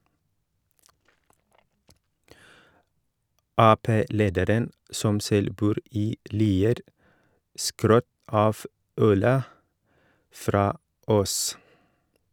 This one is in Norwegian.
Ap-lederen, som selv bor i Lier, skrøt av ølet fra Aass.